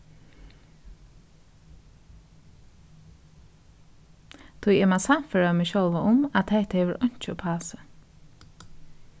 tí eg má sannføra meg sjálva um at hetta hevur einki uppá seg